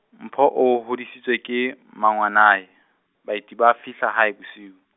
Mpho o hodisitswe ke mmangwanae, baeti ba fihla hae bosiu.